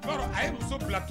A ye muso bila kɛ